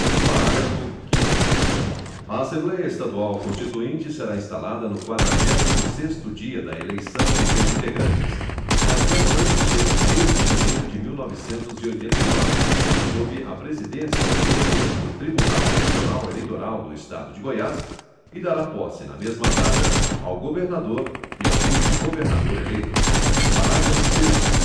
parágrafo quinto a assembléia estadual constituinte será instalada no quadragésimo sexto dia da eleição de seus integrantes mas não antes de primeiro de janeiro de mil e novecentos e oitenta e nove sob a presidência do presidente do tribunal regional eleitoral do estado de goiás e dará posse na mesma data ao governador e ao vice governador eleitos parágrafo sexto